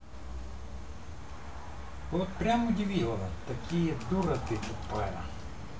бб